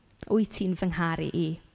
Wyt ti'n fy ngharu i?